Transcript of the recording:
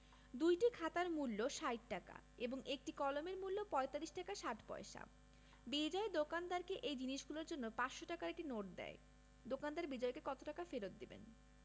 দুইটি খাতার মূল্য ৬০ টাকা এবং একটি কলমের মূল্য ৪৫ টাকা ৬০ পয়সা বিজয় দোকানদারকে এই জিনিসগুলোর জন্য ৫০০ টাকার একটি নোট দেয় দোকানদার বিজয়কে কত টাকা ফেরত দেবেন